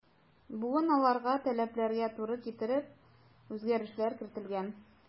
Бүген аларга таләпләргә туры китереп үзгәрешләр кертелгән.